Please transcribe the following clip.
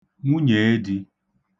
nwunyèedī